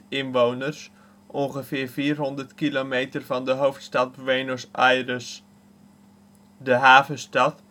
inwoners (in 2001), ongeveer vierhonderd kilometer van de hoofdstad Buenos Aires. De havenstad